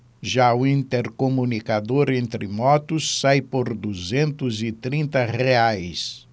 já o intercomunicador entre motos sai por duzentos e trinta reais